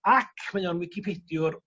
ac mae o'n wicipediwr